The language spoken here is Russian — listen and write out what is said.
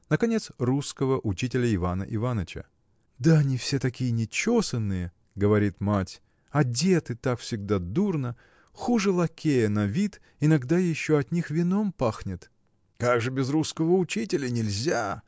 наконец, русского учителя Ивана Иваныча. – Да они все такие нечесаные – говорит мать – одеты так всегда дурно хуже лакея на вид иногда еще от них вином пахнет. – Как же без русского учителя? нельзя!